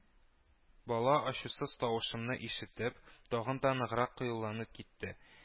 Бала, ачусыз тавышымны ишетеп, тагын да ныграк кыюланып китте